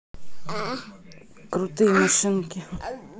крутые машинки